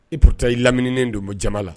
Ipta i laminien don ma jama la